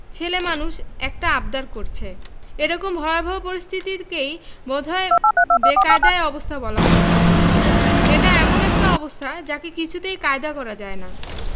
ছেলে মানুষ একটা আব্দার করছে এরকম ভয়াবহ পরিস্থিতিকেই বোধ হয় বেকায়দা অবস্থা বলা হয় এটা এমন একটা অবস্থা যাকে কিছুতেই কায়দা করা যায় না